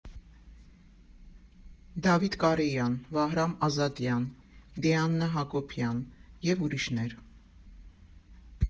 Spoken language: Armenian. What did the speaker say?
Դավիթ Կարեյան, Վահրամ Ազատյան, Դիանա Հակոբյան և ուրիշներ։